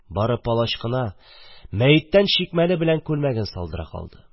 Бары палач кына мәеттән чикмәне белән күлмәген салдыра калды.